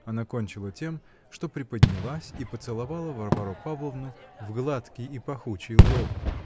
она кончила тем, что приподнялась и поцеловала Варвару Павловну в гладкий и пахучий лоб.